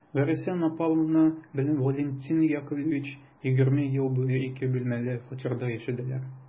Вәриса Наваповна белән Валентин Яковлевич егерме ел буе ике бүлмәле фатирда яшәделәр.